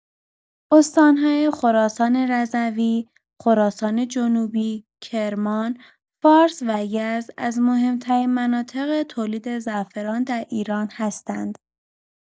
استان‌های خراسان رضوی، خراسان‌جنوبی، کرمان، فارس و یزد از مهم‌ترین مناطق تولید زعفران در ایران هستند.